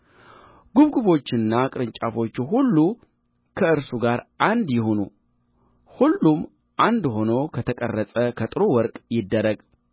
ጕብጕቦቹና ቅርንጫፎቹ ሁሉ ከእርሱ ጋር አንድ ይሁኑ ሁሉም አንድ ሆኖ ከተቀረጸ ከጥሩ ወርቅ ይደረግ